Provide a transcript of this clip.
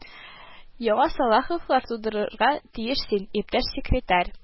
Яңа Салаховлар тудырырга тиеш син, иптәш секретарь